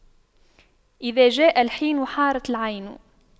إذا جاء الحين حارت العين